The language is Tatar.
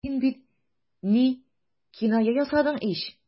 Син бит... ни... киная ясадың ич.